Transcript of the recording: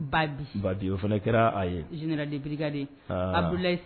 Ba bapi o fana kɛra a ye z derikabulɛ